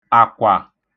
àkwà